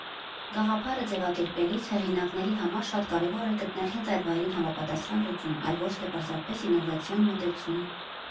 Գաղափարը ձևակերպելիս, հեղինակների համար շատ կարևոր էր գտնել հենց այդ վայրին համապատասխան լուծում, այլ ոչ թե պարզապես ինովացիոն մոտեցում։